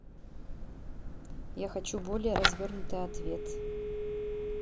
я хочу более развернутый ответ